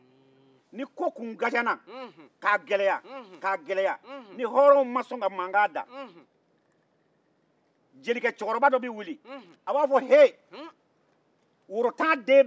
ni ko tun gajana k'a gɛlɛya ni hɔrɔnw ma sɔn ka mankan da jeli cɛkɔrɔba dɔ wuli a b'a fɔ heyi